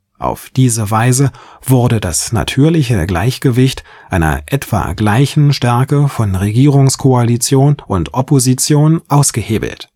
Auf diese Weise wurde das „ natürliche “Gleichgewicht einer etwa gleichen Stärke von Regierungskoalition und Opposition ausgehebelt